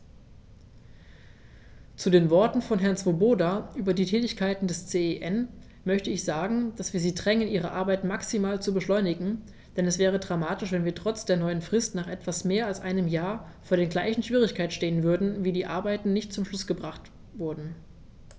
Zu den Worten von Herrn Swoboda über die Tätigkeit des CEN möchte ich sagen, dass wir sie drängen, ihre Arbeit maximal zu beschleunigen, denn es wäre dramatisch, wenn wir trotz der neuen Frist nach etwas mehr als einem Jahr vor den gleichen Schwierigkeiten stehen würden, weil die Arbeiten nicht zum Abschluss gebracht wurden.